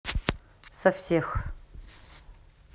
со всех